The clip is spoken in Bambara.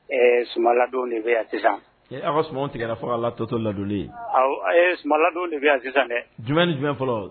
Ɛɛ sumaladon de bɛ yan sisan ee aw ka sumaw tigɛ la fo ka tɔ to ladonnin ye sumaladon de bɛ yan sisan dɛ jumɛn jumɛn fɔlɔ.